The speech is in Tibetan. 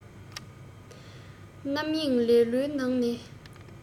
རྣམ གཡེང ལེ ལོའི ནང ནས